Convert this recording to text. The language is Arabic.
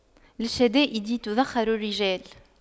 للشدائد تُدَّخَرُ الرجال